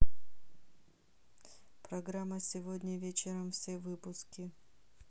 программа сегодня вечером все выпуски